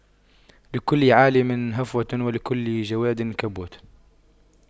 لكل عالِمٍ هفوة ولكل جَوَادٍ كبوة